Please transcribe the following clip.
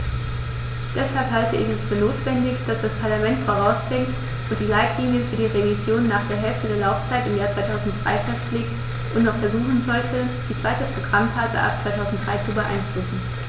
Deshalb halte ich es für notwendig, dass das Parlament vorausdenkt und die Leitlinien für die Revision nach der Hälfte der Laufzeit im Jahr 2003 festlegt und noch versuchen sollte, die zweite Programmphase ab 2003 zu beeinflussen.